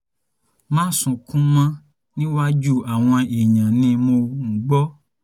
”Má sunkún mọ níwájú àwọn èèyàn,” ni mò ń gbọ́.